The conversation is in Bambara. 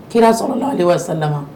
Kira sɔrɔ la ale wasala